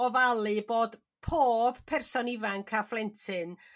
ofalu bod pob person ifanc a phlentyn